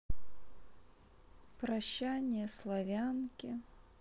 прощание славянки